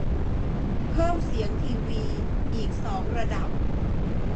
เพิ่มเสียงทีวีอีกสองระดับ